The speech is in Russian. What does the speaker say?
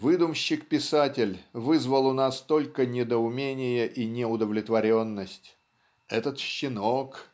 Выдумщик-писатель вызвал у нас только недоумение и неудовлетворенность. Этот щенок